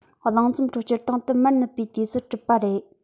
གླིང ཚོམ ཁྲོད སྤྱིར བཏང དུ མར ནུབ པའི དུས སུ གྲུབ པ རེད